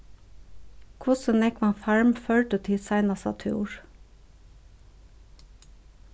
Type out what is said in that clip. hvussu nógvan farm førdu tit seinasta túr